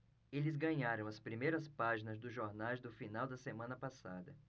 eles ganharam as primeiras páginas dos jornais do final da semana passada